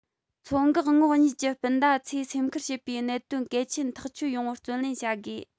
མཚོ འགག ངོགས གཉིས ཀྱི སྤུན ཟླ ཚོས སེམས ཁུར བྱེད པའི གནད དོན གལ ཆེན ཐག ཆོད ཡོང བར བརྩོན ལེན བྱ དགོས